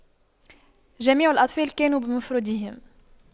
جميع الأطفال كانوا بمفردهم